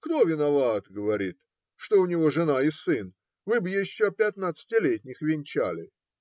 Кто виноват, говорит, что у него жена и сын, вы бы еще пятнадцатилетних венчали".